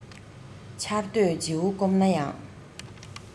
ཆར འདོད བྱེའུ སྐོམ ན ཡང